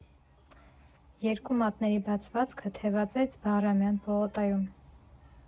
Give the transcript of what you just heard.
Երկու մատների բացվածքը թևածեց Բաղրամյան պողոտայում։